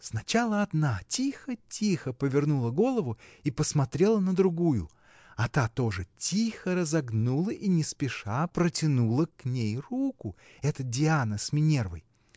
Сначала одна тихо-тихо повернула голову и посмотрела на другую, а та тоже тихо разогнула и не спеша протянула к ней руку: это Диана с Минервой.